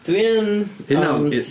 Dwi yn ond...